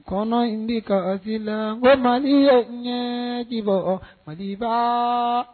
Kɔnɔ in ni kai la ko ma ni ye ɲɛ dibɔ ma fa